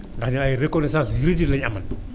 ndax nee na ay reconnaissance juridique la ñu amoon